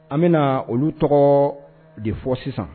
An bɛna olu tɔgɔ de fɔ sisan